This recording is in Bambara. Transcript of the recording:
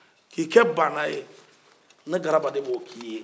k'i kɛ baana ne garaba de b'o k'i ye